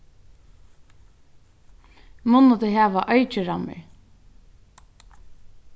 munnu tey hava eikirammur